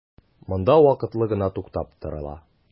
Монда вакытлы гына туктап торыла.